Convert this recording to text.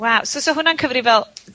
Wow, so 'sa hwnna'n cyfri fel